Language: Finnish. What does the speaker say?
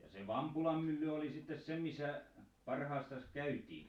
ja se Vampulan mylly oli sitten se missä parhaastansa käytiin